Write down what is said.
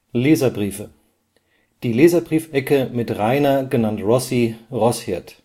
Leserbriefe: Die Leserbriefecke mit Rainer „ Rossi “Rosshirt